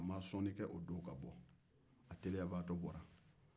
nk'a ma sɔnni kɛ o don ka bɔ a teliyabagatɔ bɔra